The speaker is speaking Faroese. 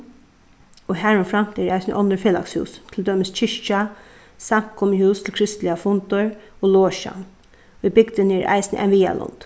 og harumframt eru eisini onnur felagshús til dømis kirkja samkomuhús til kristiligar fundir og losjan í bygdini er eisini ein viðarlund